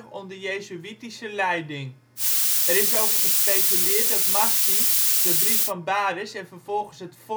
onder jezuïtische leiding. Er is over gespeculeerd dat Marci de brief van Baresch en vervolgens het